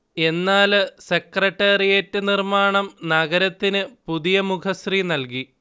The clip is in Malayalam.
എന്നാല് സെക്രട്ടേറിയറ്റ് നിര്‍മ്മാണം നഗരത്തിന് പുതിയ മുഖശ്രീ നല്കി